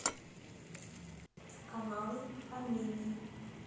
каналы армении